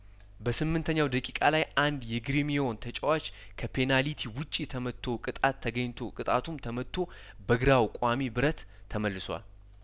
በስምንተኛው ደቂቃ ላይ አንድ የግሪሚዮ ተጫዋች ከፔናሊቲ ውጪ ተመትቶ ቅጣት ተገኝቶ ቅጣቱም ተመቶ በግራው ቋሚ ብረት ተመልሷል